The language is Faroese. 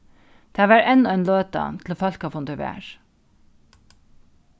tað var enn ein løta til fólkafundur var